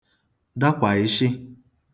dakwaịshị